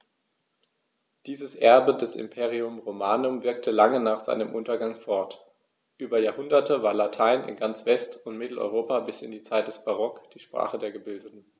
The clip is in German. Dieses Erbe des Imperium Romanum wirkte lange nach seinem Untergang fort: Über Jahrhunderte war Latein in ganz West- und Mitteleuropa bis in die Zeit des Barock die Sprache der Gebildeten.